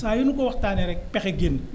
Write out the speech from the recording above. saa yu ñu ko waxtaanee rek pexe génn